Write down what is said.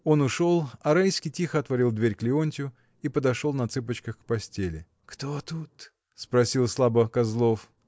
Он ушел, а Райский тихо отворил дверь к Леонтью и подошел на цыпочках к постели. — Кто тут? — спросил слабо Козлов.